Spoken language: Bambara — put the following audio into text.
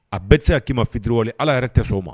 A bɛɛ se ka k'i ma fitiriwaleli ala yɛrɛ tɛ' ma